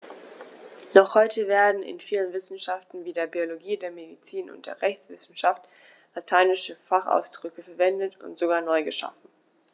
Noch heute werden in vielen Wissenschaften wie der Biologie, der Medizin und der Rechtswissenschaft lateinische Fachausdrücke verwendet und sogar neu geschaffen.